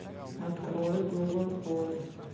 открой google поиск